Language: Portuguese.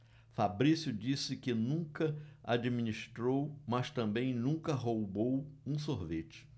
fabrício disse que nunca administrou mas também nunca roubou um sorvete